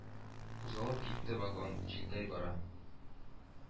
Кузгалып китте вагон, җилдәй бара